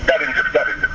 jaa ngeen jëf jaa ngeen jëf